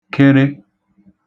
kere